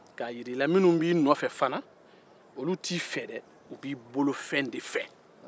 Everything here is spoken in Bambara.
minnu b'i nɔfɛ u t'i fɛ dɛ u b'i bolofɛn de fɛ